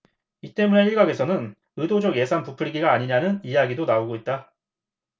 이 때문에 일각에서는 의도적예산 부풀리기가 아니냐는 이야기도 나오고 있다